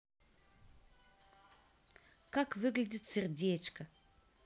как выглядит сердечко